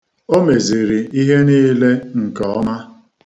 O meziri ihe niile nke ọma.